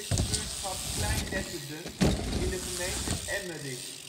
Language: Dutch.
de buurtschap Klein-Netterden, in de gemeente Emmerik